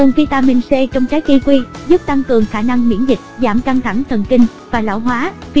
nguồn vitamin c trong trái kiwi giúp tăng cường khả năng miễn dịch giảm căng thẳng thần kinh và lão hóa